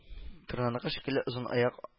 Торнаныкы шикелле озын аяк, а